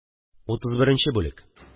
Утыз беренче бүлек